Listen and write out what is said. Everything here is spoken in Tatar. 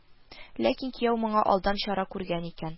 Ләкин кияү моңа алдан чара күргән икән: